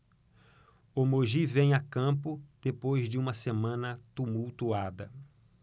o mogi vem a campo depois de uma semana tumultuada